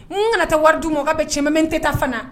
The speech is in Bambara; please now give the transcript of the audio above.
Nn kana taa wari d'u ma o ka bɛn tiɲɛ ma mais n tɛ taa fana!